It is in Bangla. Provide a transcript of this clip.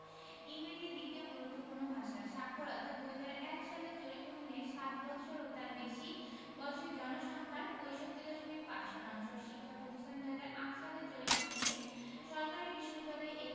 ইংরেজি দ্বিতীয় গুরুত্বপূর্ণ ভাষা সাক্ষরতাঃ ২০০১ সালের জরিপ অনুযায়ী সাত বৎসর ও তার বেশি বয়সের জনসংখ্যার ৬৫.৫ শতাংশ শিক্ষাপ্রতিষ্ঠানঃ ২০০৮ সালের জরিপ অনুযায়ী সরকারি বিশ্ববিদ্যালয়